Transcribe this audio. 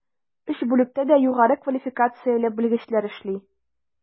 Өч бүлектә дә югары квалификацияле белгечләр эшли.